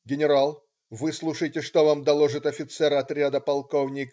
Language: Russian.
"Генерал, выслушайте, что вам доложит офицер отряда полк.